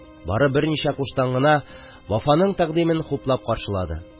Бары берничә куштан гына Вафаның тәкъдимен хуплап каршыладылар.